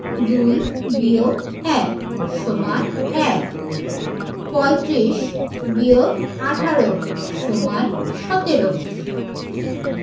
২ - ১ =১ ৩৫ – ১৮ = ১৭